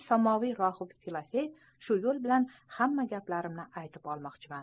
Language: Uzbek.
samoviy rohib filofey shu yo'l bilan hamma gaplarimni aytib olmoqchiman